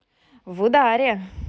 в ударе